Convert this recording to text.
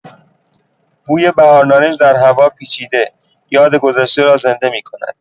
بوی بهارنارنج در هوا پیچیده، یاد گذشته را زنده می‌کند.